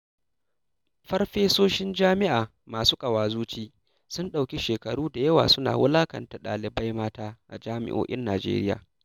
Farfesoshin jami'a masu ƙawazuci sun ɗauki shekaru da yawa su na wulaƙanta ɗalibai mata a jami'o'in Nijeriya.